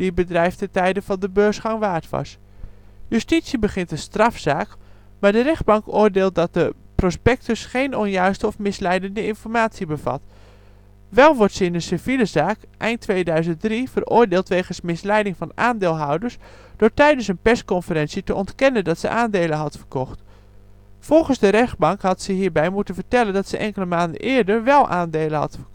bedrijf ten tijde van de beursgang waard was. Justitie begint een strafzaak, maar de rechtbank oordeelt dat het prospectus geen onjuiste of misleidende informatie bevat. Wel wordt ze in een civiele zaak eind 2003 veroordeeld wegens misleiding van aandeelhouders door tijdens een persconferentie te ontkennen dat ze aandelen had verkocht. Volgens de rechtbank had ze hierbij moeten vertellen dat ze enkele maanden eerder wel aandelen had